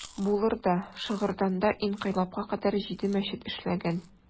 Булыр да, Шыгырданда инкыйлабка кадәр җиде мәчет эшләгән.